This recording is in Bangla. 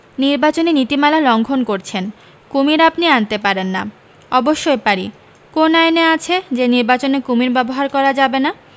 নিবাচনী নীতিমালা লংঘন করছেন কুমীর আপনি আনতে পারেন না অবশ্যই পারি কোন আইনে আছে যে নির্বাচনে কুমীর ব্যবহার করা যাবে না